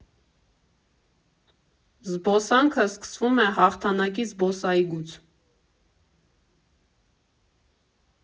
Զբոսանքը սկսվում է Հաղթանակի զբոսայգուց։